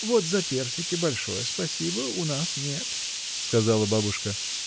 Вот за персики большое спасибо — у нас нет, — сказала бабушка.